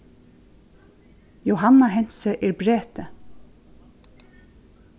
jóhanna hentze er breti